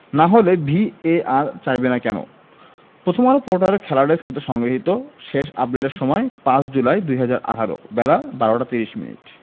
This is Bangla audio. না হলে ভিএআর চাইবে না কেন প্রথমআলো পোর্টালের খেলা ডেস্ক হতে সংগৃহীত শেষ আপডেটের সময় ৫ জুলাই ২০১৮ বেলা ১২টা ৩০মিনিট